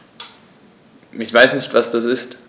Ich weiß nicht, was das ist.